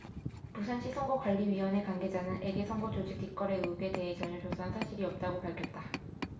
부산시선거관리위원회 관계자는 에게 선거조직 뒷거래의혹에 대해 전혀 조사한 사실이 없다고 밝혔다